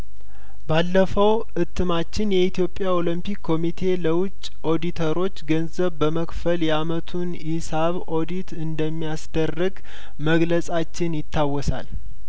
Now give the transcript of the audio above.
ባለፈው እትማችን የኢትዮጵያ ኦሎምፒክ ኮሚቴ ለውጪ ኦዲተሮች ገንዘብ በመክፈል የአመቱን ኢሳብ ኦዲት እንደሚያስ ደርግ መግለጻችን ይታወሳል